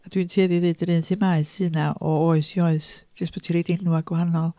A dwi'n tueddu i ddeud yr un themâu sy 'na o oes i oes jyst bod ti'n rhoi enwau gwahanol.